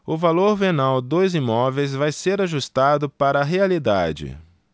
o valor venal dos imóveis vai ser ajustado para a realidade